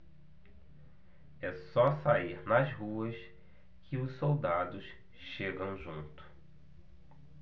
é só sair nas ruas que os soldados chegam junto